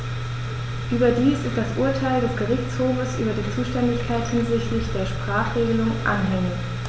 Überdies ist das Urteil des Gerichtshofes über die Zuständigkeit hinsichtlich der Sprachenregelung anhängig.